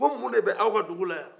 ko mun de bɛ aw ka dugula yan